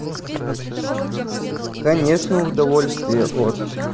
конечно удовольствие от